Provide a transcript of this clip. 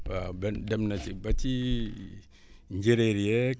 waaw benn dem na ci ba ci njéréer yeeg